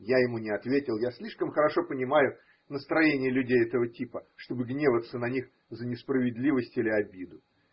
Я ему не ответил – я слишком хорошо понимаю настроение людей этого типа, чтобы гневаться на них за несправедливость или обиду.